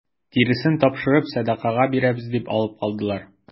Тиресен тапшырып сәдакага бирәбез дип алып калдылар.